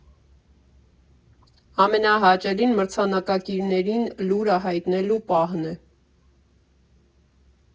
Ամենահաճելին մրցանակակիրներին լուրը հայտնելու պահն է։